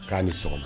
K'a ni sɔnna sɔgɔma